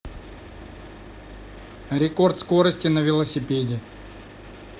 рекорд скорости на велосипеде